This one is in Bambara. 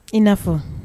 I'a fɔ